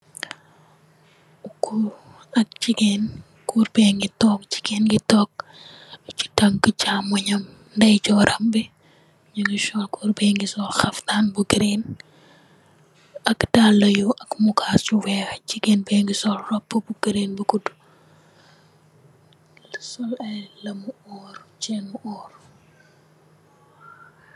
Goor ak jigéen goor begi tog jigeen begi tog jigeen bi tog si tanki cxamunam ndeyejorram bi nyugi sol gorr bagi sol xaftan bu green ak daala yu murkas yu weex jigeen begi sol robu bu green bu gudu sol ay lami orr cxaini orr.